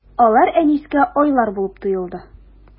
Алар Әнискә айлар булып тоелды.